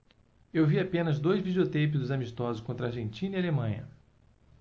eu vi apenas dois videoteipes dos amistosos contra argentina e alemanha